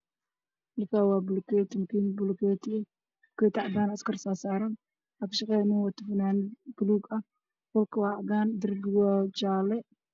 Meeshan maxaa yeelay buloketi fara badan oo is dul saaran waana qol